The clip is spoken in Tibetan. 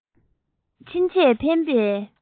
ཕྱིན ཆད ཕན པའི